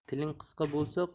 tiling qisqa bo'lsa